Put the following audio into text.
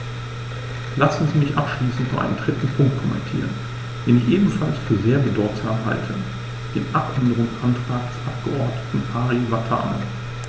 Lassen Sie mich abschließend noch einen dritten Punkt kommentieren, den ich ebenfalls für sehr bedeutsam halte: den Abänderungsantrag des Abgeordneten Ari Vatanen.